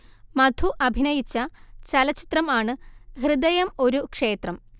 മധു അഭിനയിച്ച ചലച്ചിത്രം ആണ് ഹൃദയം ഒരു ക്ഷേത്രം